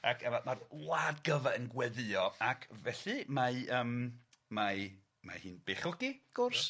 Ac yy ma' ma'r wlad gyfa yn gweddïo ac felly mae yym mae mae hi'n beichiogi gwrs.